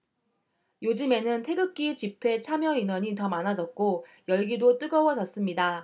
요즘에는 태극기 집회 참여인원이 더 많아졌고 열기도 뜨거워졌습니다